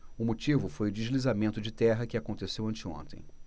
o motivo foi o deslizamento de terra que aconteceu anteontem